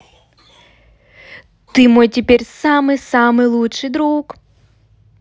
ты мой теперь самый самый лучший друг